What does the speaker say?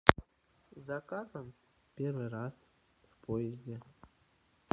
zakatoon первый раз в поезде